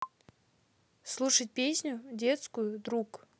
слушать песню детскую друг